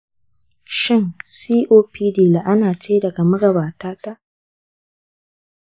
shin copd la'ana ce daga magabata na?